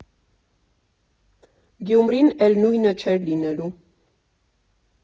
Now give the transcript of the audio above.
Գյումրին էլ նույնը չէր լինելու։